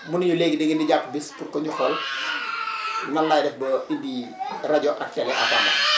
mu ne ñu léegi da ngeen di jàpp bés pour que ñu xool nan laay def ba ba indi rajo ak tele à Pambal